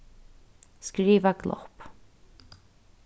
skriva glopp